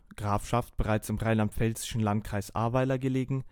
Grafschaft, bereits im rheinland-pfälzischen Landkreis Ahrweiler gelegen